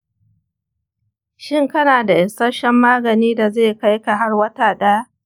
shin kana da isasshen magani da zai kaika har wata ɗaya?